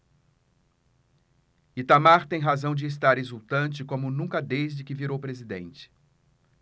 itamar tem razão de estar exultante como nunca desde que virou presidente